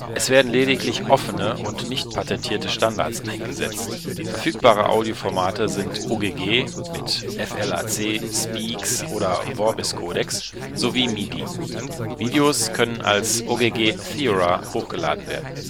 Es werden lediglich offene und nicht patentierte Standards eingesetzt. Verfügbare Audioformate sind Ogg (mit FLAC, Speex oder Vorbis Codecs) sowie MIDI. Videos können als Ogg Theora hochgeladen werden